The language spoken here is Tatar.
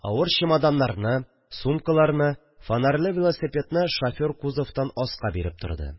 Авыр чемоданнарны, сумкаларны, фонарьлы велосипедны шофер кузовтан аска биреп торды